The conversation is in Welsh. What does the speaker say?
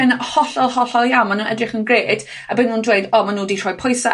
yn hollol, hollol iawn, ma' nw'n edrych yn grêt, a by' nw'n dweud o ma' nw 'di rhoi pwyse